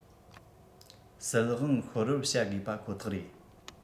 སྲིད དབང ཤོར བར བྱ དགོས པ ཁོ ཐག རེད